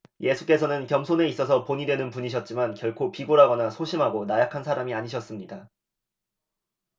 예수께서는 겸손에 있어서 본이 되는 분이셨지만 결코 비굴하거나 소심하고 나약한 사람이 아니셨습니다